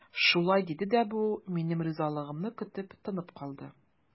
Шулай диде дә бу, минем ризалыгымны көтеп, тынып калды.